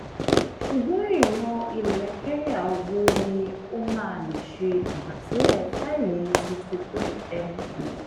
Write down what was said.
Ṣùgbọ́n èèyàn ilẹ̀ Kenya wo ni ó máa lè ṣe ìgbàsílẹ̀ fáìlì 63 MB?